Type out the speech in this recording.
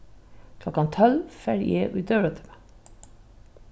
klokkan tólv fari eg í døgurðatíma